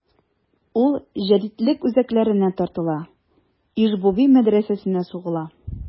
Ул җәдитлек үзәкләренә тартыла: Иж-буби мәдрәсәсенә сугыла.